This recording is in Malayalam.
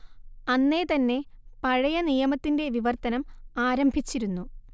അന്നേ തന്നെ പഴയ നിയമത്തിന്റെ വിവർത്തനം ആരംഭിച്ചിരുന്നു